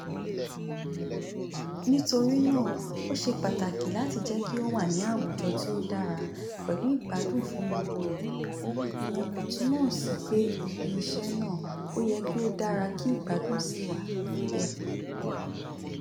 Nítorí náà ó ṣe pàtàkì láti jẹ kí ó wà ní àwùjọ tí ó dára pẹ̀lú ìgbádùn fún gbogbo ènìyàn (ìyẹn kò túmọ̀ sí pé ibi iṣẹ́ náà ò yẹ kí o dára kí ìgbádùn sì wà níbẹ̀...).